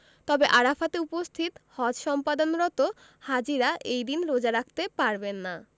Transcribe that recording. তবে আরাফাতে উপস্থিত হজ সম্পাদনরত হাজিরা এই দিন রোজা রাখতে পারবেন না